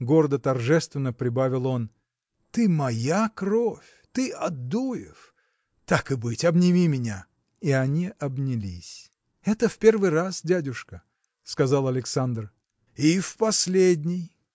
– гордо, торжественно прибавил он, – ты моя кровь, ты – Адуев! Так и быть, обними меня! И они обнялись. – Это в первый раз, дядюшка! – сказал Александр. – И в последний!